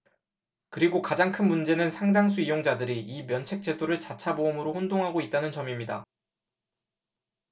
그리고 가장 큰 문제는 상당수 이용자들이 이 면책제도를 자차보험으로 혼동하고 있다는 점입니다